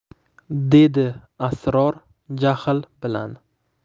dedi asror jahl bilan